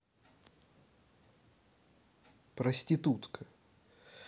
проститутка